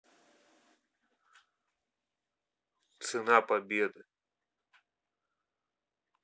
цена победы